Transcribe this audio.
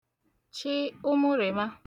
chị ụmụrịma